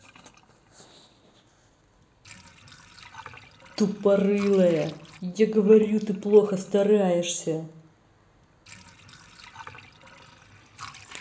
тупорылая я говорю ты плохо стараешься